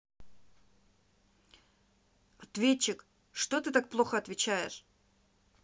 ответчик что ты так плохо отвечаешь